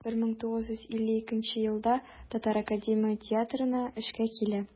1952 елда татар академия театрына эшкә килә.